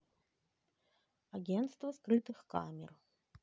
агентство скрытых камер